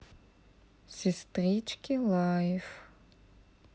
сестрички лайф